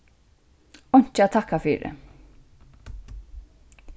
einki at takka fyri